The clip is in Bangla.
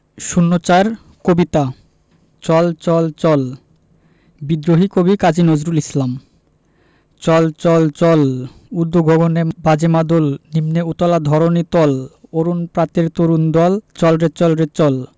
০৪ কবিতা চল চল চল বিদ্রোহী কবি কাজী নজরুল ইসলাম চল চল চল ঊর্ধ্ব গগনে বাজে মাদল নিম্নে উতলা ধরণি তল অরুণ প্রাতের তরুণ দল চল রে চল রে চল